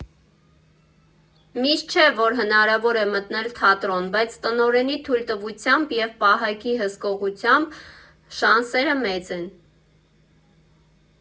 Միշտ չէ, որ հնարավոր է մտնել թատրոն, բայց տնօրենի թույլտվությամբ և պահակի հսկողությամբ շանսերը մեծ են։